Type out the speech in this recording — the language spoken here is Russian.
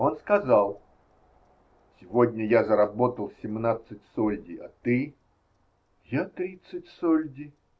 Он сказал: "Сегодня я заработал семнадцать сольди. А ты?" "Я тридцать сольди".